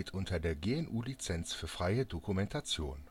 unter der GNU Lizenz für freie Dokumentation